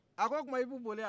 a ko otuma i bɛ boli wa